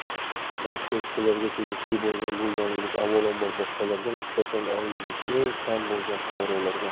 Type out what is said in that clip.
barcha ishchilarga tegishli bo'lgan bu yangilik avvalambor boshqalarga nisbatan oyligi eng kam bo'lgan fuqarolarga